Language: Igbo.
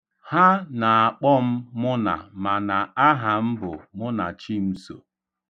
Ha na-akpọ m Mụna mana aha m bụ Mụnachimso.